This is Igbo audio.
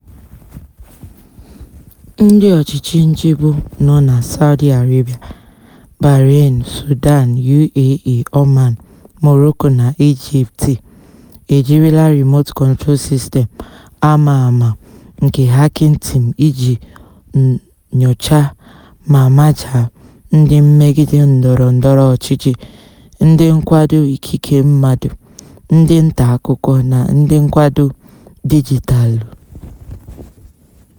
Ndị ọchịchị nchịgbu nọ na Saudi Arabia, Bahrain, Sudan, UAE, Oman, Morocco na Egypt ejirila “Remote Control System” a ma ama nke Hacking Team iji nyochaa ma majaa ndị mmegide ndọrọndọrọ ọchịchị, ndị nkwado ikike mmadụ, ndị ntaakụkọ na ndị nkwado dijitaalụ.